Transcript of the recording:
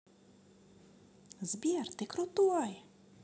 сбер ты крутой